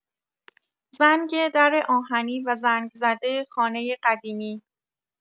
زنگ در آهنی و زنگ‌زده خانه قدیمی